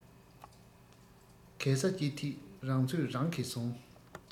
གས ས ཅི ཐད རང ཚོད རང གིས བཟུང